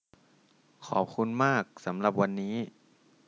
ขอบคุณมากสำหรับวันนี้